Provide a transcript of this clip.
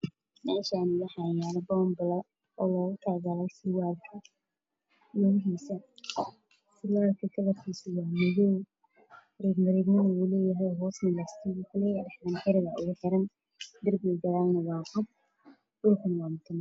Waxaa ii muuqda bambalo midabkiisu yahay cadaan waxaa ku jira surwaal midabkiisa iyo darbiga wacdaan